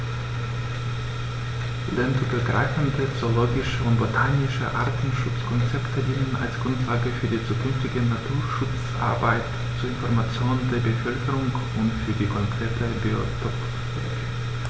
Länderübergreifende zoologische und botanische Artenschutzkonzepte dienen als Grundlage für die zukünftige Naturschutzarbeit, zur Information der Bevölkerung und für die konkrete Biotoppflege.